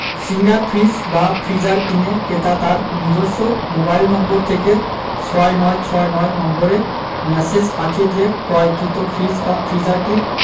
singer fridge বা freezer কিনে ক্রেতা তার নিজস্ব মোবাইল নম্বর থেকে ৬৯৬৯ নম্বরে ম্যাসেজ পাঠিয়ে দিয়ে ক্রয়কৃত ফ্রিজ ফ্রিজারটির